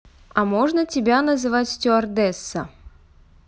а можно тебя называть стюардесса